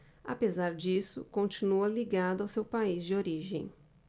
apesar disso continua ligado ao seu país de origem